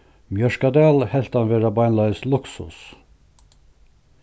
mjørkadal helt hann vera beinleiðis luksus